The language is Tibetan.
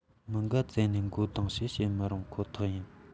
མི འགའ བཙལ ནས མགོ སྡུང ཞེས བཤད མི རུང ཁོ ཐག ཡིན